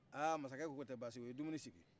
aa mansakɛ ko k'o tɛ basi ye u ye dumuni sigi